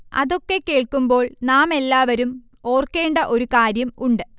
അതൊക്കെ കേൾകുമ്പോൾ നാമെല്ലാവരും ഓർക്കേണ്ട ഒരു കാര്യം ഉണ്ട്